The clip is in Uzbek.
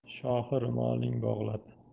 shohi ro'moling bog'lab